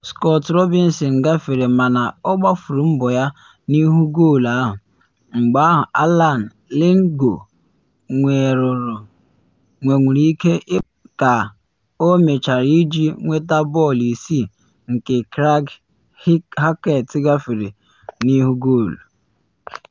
Scott Robinson gafere mana ọ gbafuru mbọ ya n’ihu goolu ahụ, mgbe ahụ Alan Lithgow nwenwuru ike ịgbafu mbọ ya ka ọ mịchara iji nweta bọọlụ isi nke Craig Halkett gafere n’ihu goolu.